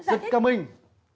giật cả mình